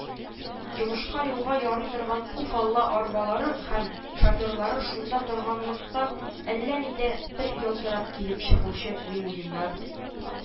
Йомышка-юлга ярый торган «уфалла» арбалары һәм, шоферлары шунда торганлыктан, әллә нидә бер ялтырап килеп чыгучы лимузиннар